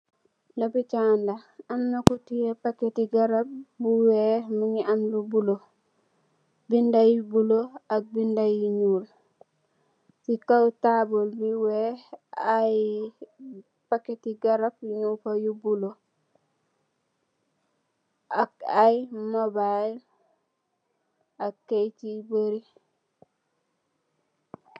Li hopital la mungi am ku teyeh packet ti garab bu bulah mungi am lu wekh bindah yu bulah ak bindah yu nyul si kaw tabul bu wekh aye packet ti garab yu bulah mung fa ak aye mobile ak keyey yu bari